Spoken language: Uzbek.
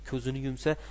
ko'zini yumsa